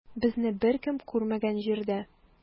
Безне беркем күрмәгән җирдә.